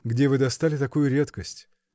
— Где вы достали такую редкость?